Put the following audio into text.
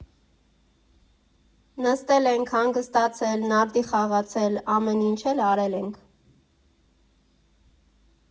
Նստել ենք, հանգստացել, նարդի խաղացել, ամեն ինչ էլ արել ենք։